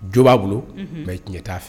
Jo b'a bolo, unhun, mais tiɲɛ t'a fɛ.